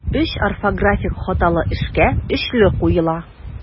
Өч орфографик хаталы эшкә өчле куела.